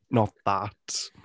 Not that.